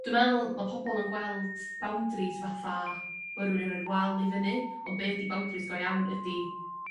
Dwi me'wl ma' pobol yn gweld boundaries fatha bo' rywun yn roid wal i fyny ond be' ydi boundaries go iawn ydi